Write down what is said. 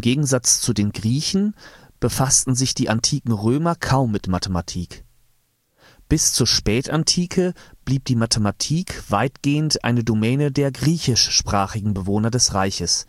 Gegensatz zu den Griechen befassten sich die antiken Römer kaum mit Mathematik. Bis zur Spätantike blieb die Mathematik weitgehend eine Domäne der griechischsprachigen Bewohner des Reichs,